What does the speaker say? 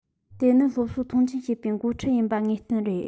དེ ནི སློབ གསོར མཐོང ཆེན བྱེད པའི འགོ ཁྲིད ཡིན པ ངེས གཏན རེད